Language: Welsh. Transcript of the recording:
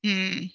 Mm.